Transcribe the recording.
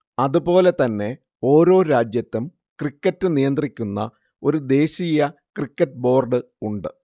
അതുപോലെതന്നെ ഓരോ രാജ്യത്തും ക്രിക്കറ്റ് നിയന്ത്രിക്കുന്ന ഒരു ദേശീയ ക്രിക്കറ്റ് ബോർഡ് ഉണ്ട്